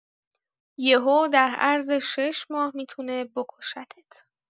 یهو در عرض ۶ ماه می‌تونه بکشتت.